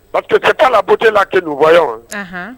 Parce que c'est pas la beauté là que nous voyons hein anhan